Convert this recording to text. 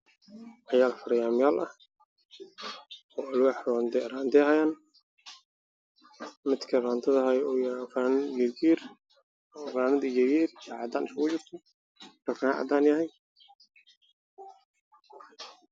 Ciyaal faryaamo yaal ah